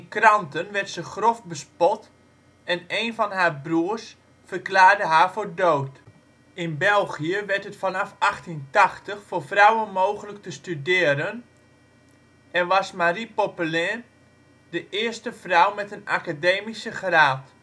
kranten werd ze grof bespot en een van haar broers verklaarde haar voor dood. In België werd het vanaf 1880 voor vrouwen mogelijk te studeren en was Marie Popelin de eerste vrouw met een academische graad